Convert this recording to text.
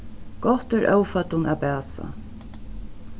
gott er óføddum at bæsa